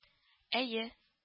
—әйе